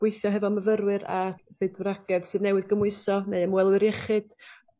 gweithio hefo myfyrwyr a byddwragedd sydd newydd gymwyso neu ymwelwyr iechyd